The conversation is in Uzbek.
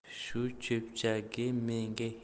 shu cho'pchagi menga